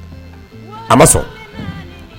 . A ma sɔn